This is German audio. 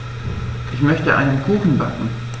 Ich möchte einen Kuchen backen.